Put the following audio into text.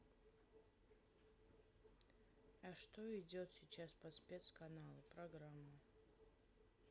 а что идет сейчас по спецканалу программа